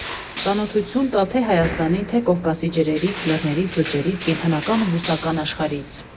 Ծանոթություն տալ թե Հայաստանի, թե Կովկասի ջրերից, լեռներից, լճերից, կենդանական ու բուսական աշխարհից…